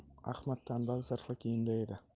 tanbal zirhli kiyimda edi